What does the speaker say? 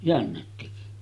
jänne teki